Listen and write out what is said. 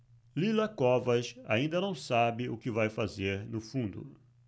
lila covas ainda não sabe o que vai fazer no fundo